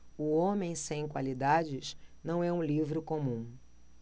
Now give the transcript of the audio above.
o homem sem qualidades não é um livro comum